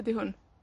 ydi hwn.